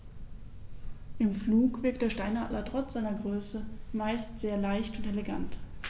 Im Flug wirkt der Steinadler trotz seiner Größe meist sehr leicht und elegant.